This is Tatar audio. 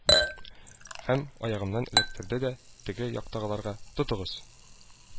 Һәм аягымнан эләктерде дә теге яктагыларга: «тотыгыз